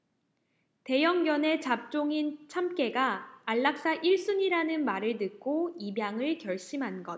대형견에 잡종인 참깨가 안락사 일 순위라는 말을 듣고 입양을 결심한 것